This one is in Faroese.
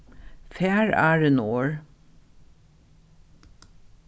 far áðrenn orð